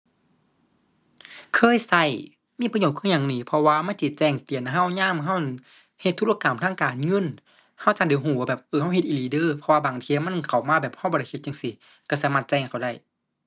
เคยใช้ มีประโยชน์คือหยังหนิ เพราะว่ามันสิแจ้งเตือนใช้ยามใช้นั้น เฮ็ดธุรกรรมทางการเงิน ใช้จั่งได้ใช้ว่าแบบ เออ ใช้เฮ็ดอีหลีเด้อ เพราะว่าบางเที่ยมันเข้ามาแบบใช้บ่ได้เฮ็ดจั่งซี้ ใช้สามารถแจ้งเขาได้